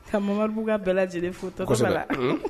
Ka Mamaribugu ka bɛɛ lajɛlen fo k'u tɔgɔ k'a la kosɛbɛ unn